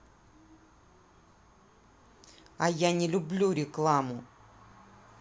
а я не люблю рекламу